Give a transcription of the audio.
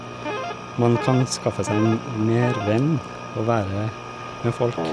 Man kan skaffe seg m mer venn å være med folk.